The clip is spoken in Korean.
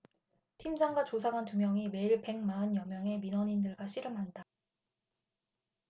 팀장과 조사관 두 명이 매일 백 마흔 여명의 민원인들과 씨름한다